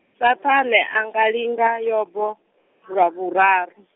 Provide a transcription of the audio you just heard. Saṱhane anga linga Yobo, lwa vhuraru.